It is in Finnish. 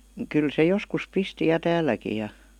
kyllä se joskus pisti ja täälläkin ja